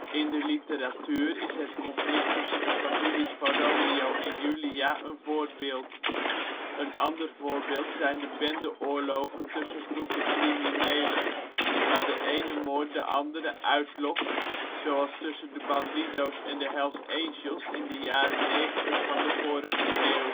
In de literatuur is het conflict tussen de families van Romeo en Julia een voorbeeld. Een ander voorbeeld zijn bende-oorlogen tussen groepen criminelen waar de ene moord de andere uitlokt, zoals tussen de Bandido 's en de Hells Angels in de jaren 90 van de vorige eeuw. Ook